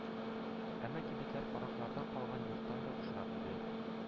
Әмма кибетләр караклардан калган йорттан да бушрак иде